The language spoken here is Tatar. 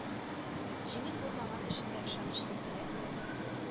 Иңел булмаган эшендә ышанычлы терәк булды